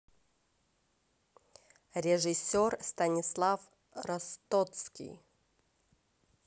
режиссер станислав ростоцкий